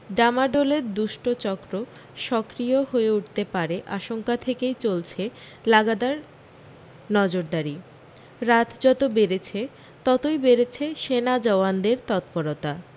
ডামাডোলে দুষ্টচক্র সক্রিয় হয়ে উঠতে পারে আশঙ্কা থেকেই চলছে লাগাতার নজরদারি রাত যত বেড়েছে ততই বেড়েছে সেনা জওয়ানদের তৎপরতা